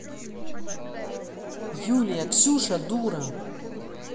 юлия ксюша дура